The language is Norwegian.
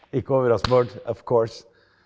ikke over oss Bård .